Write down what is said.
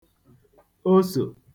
osò